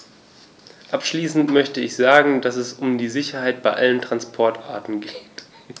Abschließend möchte ich sagen, dass es um die Sicherheit bei allen Transportarten geht.